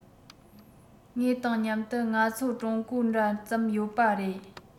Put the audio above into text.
ངེས དང མཉམ དུ ང ཚོ ཀྲུང གོའི འདྲ ཙམ ཡོད པ རེད